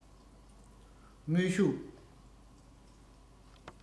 དངོས ཤུགས